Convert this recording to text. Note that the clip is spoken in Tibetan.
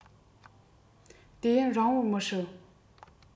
དུས ཡུན རིང བོར མི སྲིད